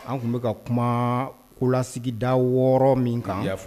An tun bɛka ka kuma kulasigida wɔɔrɔ min kan fɔ